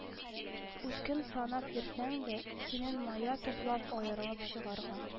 Үткен санап йөрсәң дә, синең мая туплап, аерылып чыгарга